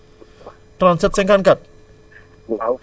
54 37 54